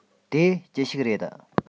དེ ཅི ཞིག རེད